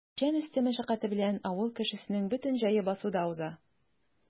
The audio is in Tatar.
Печән өсте мәшәкате белән авыл кешесенең бөтен җәе басуда уза.